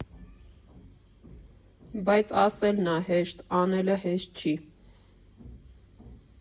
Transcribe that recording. Բայց ասելն ա հեշտ, անելը հեշտ չի։